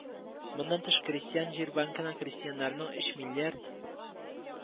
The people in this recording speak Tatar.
Моннан тыш Крестьян җир банкына крестьяннарның өч миллиард